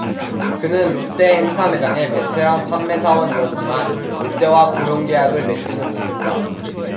그는 롯데 행사매장의 베테랑 판매사원이었지만 롯데와 고용계약을 맺지는 못했다